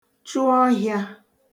chụ ọhịà